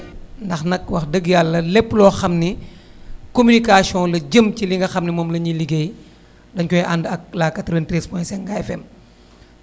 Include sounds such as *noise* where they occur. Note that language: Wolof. ndax nag wax dëgg yàlla lépp loo xam ne *breath* communication la jëm ci li nga xam ne moom la ñuy liggéey dañu koy ànd ak la 93.5 Ngaye FM